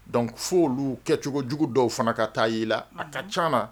Donc fɔ'olu kɛcogojugu dɔw fana ka taa ye i la, a ka caa la